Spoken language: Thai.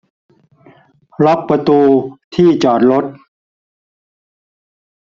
ล็อกประตูที่จอดรถ